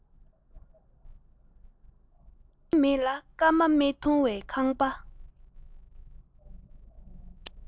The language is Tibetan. སྒེའུ ཁུང མེད ལ སྐར མ མི མཐོང བའི ཁང པ